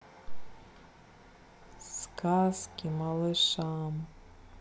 сказки малышам